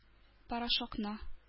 Порошокны